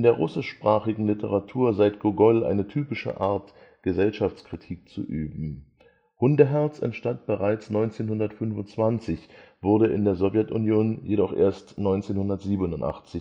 russischsprachigen Literatur seit Gogol eine typische Art, Gesellschaftskritik zu üben. Hundeherz entstand bereits 1925, wurde in der Sowjetunion jedoch erst 1987 publiziert